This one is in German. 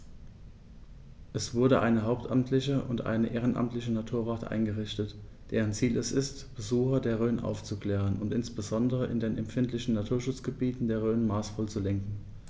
Es wurde eine hauptamtliche und ehrenamtliche Naturwacht eingerichtet, deren Ziel es ist, Besucher der Rhön aufzuklären und insbesondere in den empfindlichen Naturschutzgebieten der Rhön maßvoll zu lenken.